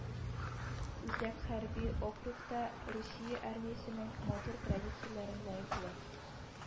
Үзәк хәрби округта Русия армиясенең матур традицияләрен лаеклы